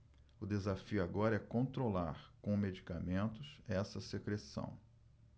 o desafio agora é controlar com medicamentos essa secreção